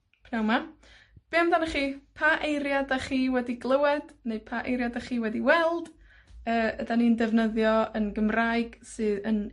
Pnawn 'ma. Be' amdanoch chi, pa eiria' 'dach chi wedi glywed, neu pa eiria' 'dach chi wedi weld, yy ydan ni'n defnyddio yn Gymraeg, sy yn